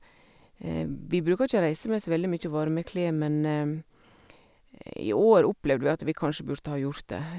Vi bruker ikke å reise med så veldig mye varme klær, men i år opplevde vi at vi kanskje burde ha gjort det.